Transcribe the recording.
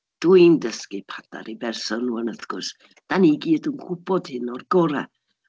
Dwi'n dysgu padar i berson rŵan wrth gwrs, dan ni i gyd yn gwybod hyn o'r gorau.